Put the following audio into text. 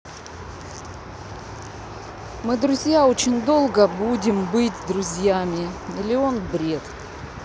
мы друзья очень долго будем быть друзьями миллион бред